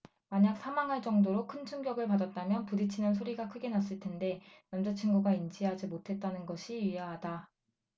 만약 사망할 정도로 큰 충격을 받았다면 부딪치는 소리가 크게 났을 텐데 남자친구가 인지하지 못했다는 것이 의아하다